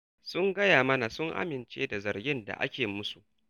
Sun gaya mana sun amince da zargin da ake musu.